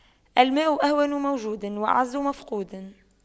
الماء أهون موجود وأعز مفقود